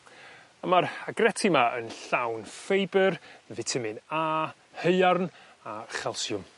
A ma'r agretti 'ma yn llawn ffeibyr fitamin a haearn a chalsiwm.